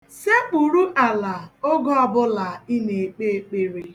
Sekpuru ala oge ọbụla ị na-ekpe ekpere.